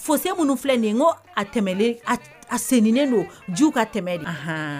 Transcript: Fo se minnu filɛ nin ko a tɛmɛen a sennen don ju ka tɛmɛen